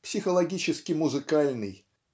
Психологически-музыкальный